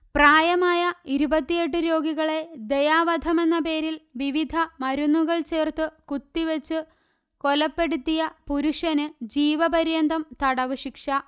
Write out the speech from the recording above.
പ്രായമായ ഇരുപത്തിയെട്ട് രോഗികളെ ദയാവധമെന്ന പേരിൽ വിവിധ മരുന്നുകൾ ചേർത്തു കുത്തിവച്ചു കൊലപ്പെടുത്തിയ പുരുഷന് ജീവപര്യന്തം തടവുശിക്ഷ